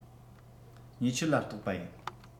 ཉེས ཆད ལ གཏོགས པ ཡིན